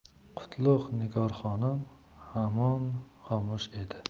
qutlug' nigor xonim hamon xomush edi